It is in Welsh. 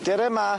Dere 'ma.